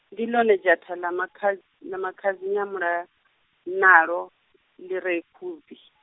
ndi ḽone Dzaṱa ḽa makha-, ḽa makhadzi Nyamuḽanalo, ḽi re Khubvi.